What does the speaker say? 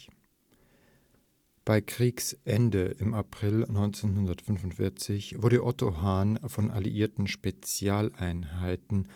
Bei Kriegsende, im April 1945, wurde Otto Hahn von alliierten Spezialeinheiten